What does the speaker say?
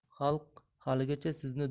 xalq haligacha sizni